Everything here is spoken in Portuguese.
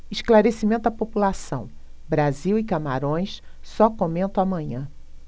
esclarecimento à população brasil e camarões só comento amanhã